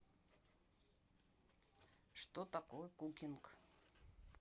что такое cooking